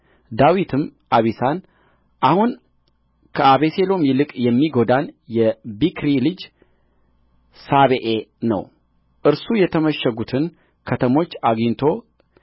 ዳዊትም አቢሳን አሁን ከአቤሴሎም ይልቅ የሚጎዳን የቢክሪ ልጅ ሳቤዔ ነው እርሱ የተመሸጉትን ከተሞች አግኝቶ